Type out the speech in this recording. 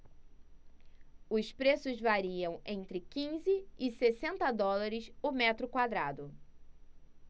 os preços variam entre quinze e sessenta dólares o metro quadrado